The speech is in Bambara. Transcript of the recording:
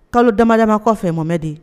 Kalo damabajama kɔfɛ omɛ de